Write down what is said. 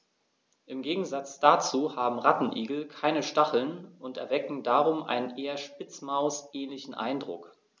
Im Gegensatz dazu haben Rattenigel keine Stacheln und erwecken darum einen eher Spitzmaus-ähnlichen Eindruck.